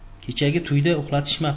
kechagi to'yda uxlatishmabdi